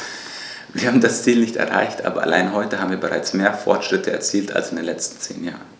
Wir haben das Ziel nicht erreicht, aber allein heute haben wir bereits mehr Fortschritte erzielt als in den letzten zehn Jahren.